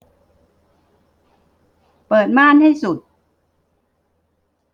เปิดม่านให้สุด